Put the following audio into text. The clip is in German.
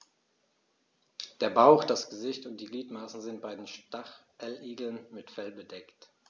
Der Bauch, das Gesicht und die Gliedmaßen sind bei den Stacheligeln mit Fell bedeckt.